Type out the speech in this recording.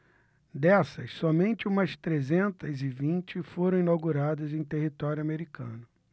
dessas somente umas trezentas e vinte foram inauguradas em território americano